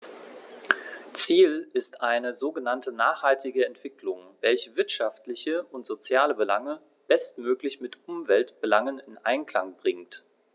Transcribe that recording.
Ziel ist eine sogenannte nachhaltige Entwicklung, welche wirtschaftliche und soziale Belange bestmöglich mit Umweltbelangen in Einklang bringt.